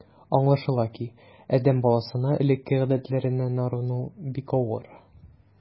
Аңлашыла ки, адәм баласына элекке гадәтләреннән арыну бик авыр.